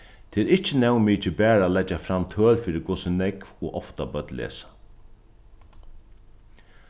tað er ikki nóg mikið bara at leggja fram tøl fyri hvussu nógv og ofta børn lesa